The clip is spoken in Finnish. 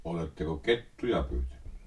oletteko kettuja pyytänyt